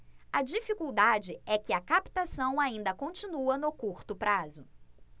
a dificuldade é que a captação ainda continua no curto prazo